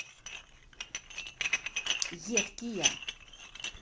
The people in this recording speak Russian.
едкий я